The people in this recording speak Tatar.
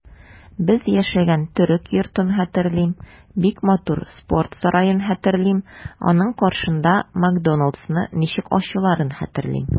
Без яшәгән төрек йортын хәтерлим, бик матур спорт сараен хәтерлим, аның каршында "Макдоналдс"ны ничек ачуларын хәтерлим.